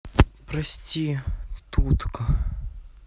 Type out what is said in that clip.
прости тутка